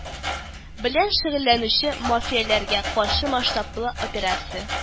Белән шөгыльләнүче мафияләргә каршы масштаблы операция